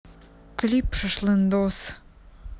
клип шашлындос